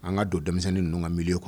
An ka don denmisɛnninnin ninnu ka mili kɔnɔ